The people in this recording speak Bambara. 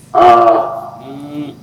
Ha h